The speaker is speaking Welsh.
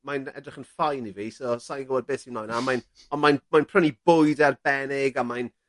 mae'n yy edrych yn fine i fi so sai'n gwbod beth sy'n 'mlan 'na... ...ond mae'n ond mae'n mae'n prynu bwyd arbenig a mae'n